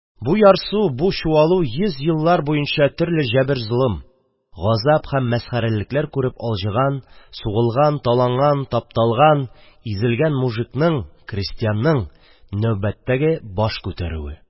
Бу ярсу, бу чуалыш йөз еллар буенча төрле җәбер-золым, газап һәм мәсхәрәлекләр күреп алҗыган, сугылган, таланган, изелгән мужикның, крестьянның нәүбәттәге баш күтәрүе;